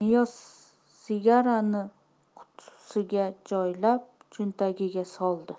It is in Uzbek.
niyoz sigarani qutisiga joylab cho'ntagiga soldi